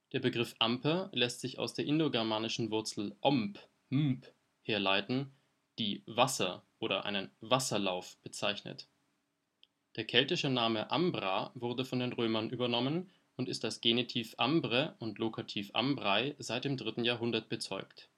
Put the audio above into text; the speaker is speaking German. Begriff Amper lässt sich aus der indogermanischen Wurzel * ombh -,* mbh - herleiten, die Wasser oder einen Wasserlauf bezeichnet. Der keltische Name * ambra wurde von den Römern übernommen und ist als Genitiv Ambre und Lokativ Ambrae seit dem 3. Jh. bezeugt